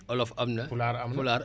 ak yeneen ak yeneen